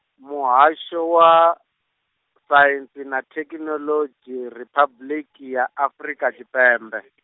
Muhasho wa, Saintsi na Thekhinoḽodzhi Riphabuḽiki ya Afrika Tshipembe.